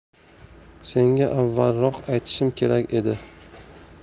senga avvalroq aytishim kerak edi